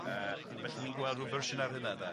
Yy felly ni'n gweld ryw fersiwn ar hynna ynde.